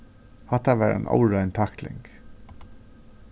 hatta var ein órein takkling